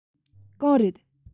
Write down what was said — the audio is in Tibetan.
གང རེད